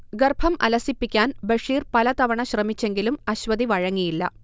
ഗർഭം അലസിപ്പിക്കാൻ ബഷീർ പലതവണ ശ്രമിച്ചെങ്കിലും അശ്വതി വഴങ്ങിയില്ല